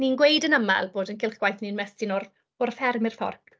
Ni'n gweud yn aml bod ein cylch gwaith ni'n ymestyn o'r o'r fferm i'r fforc.